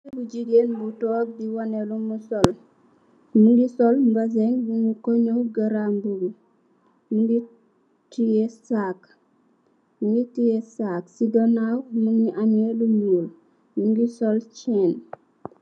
Xale bu jigeen bu tog di woneh lum sol mogi sol baze nung ko njaw garambubu mogi tiyeh saag mogi tiyeh saag si kanaw mogi ameh lu nuul mogi sol chain.